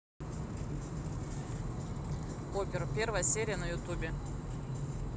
опер первая серия на ютубе